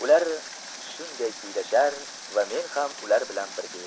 ular shunday kuylashar va men ham ular bilan birga edim